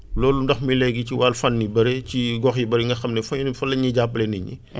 loolu ndox mi léegi ci fànn yu bëri ci gox yu bëri yi nga xam ne fa fa la ñuy jàppalee nit ñi